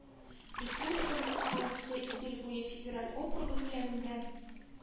Республикабыз командасы Идел буе федераль округы күләмендә